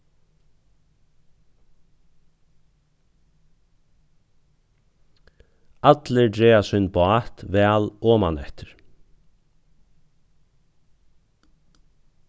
allir draga sín bát væl omaneftir